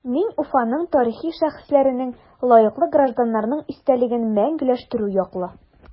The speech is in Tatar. Мин Уфаның тарихи шәхесләренең, лаеклы гражданнарның истәлеген мәңгеләштерү яклы.